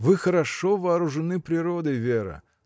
Вы хорошо вооружены природой, Вера.